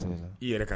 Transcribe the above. I yɛrɛ ka